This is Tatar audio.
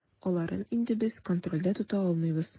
Аларын инде без контрольдә тота алмыйбыз.